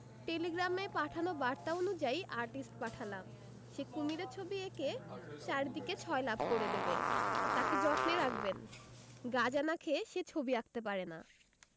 টেলিগ্রামে পাঠানো র্বাতা অনুযায়ী আর্টিস্ট পাঠালাম সে কুমীরের ছবি ঐকে চারদিকে ছয়লাপ করে দেবে তাকে যত্নে রাখবেন গাজা না খেয়ে সে ছবি আঁকতে পারে না